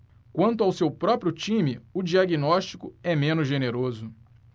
quanto ao seu próprio time o diagnóstico é menos generoso